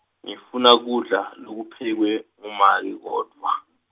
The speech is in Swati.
ngifuna kudla, lokuphekwe, ngumake kodvwa.